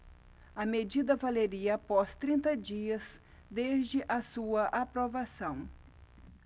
a medida valeria após trinta dias desde a sua aprovação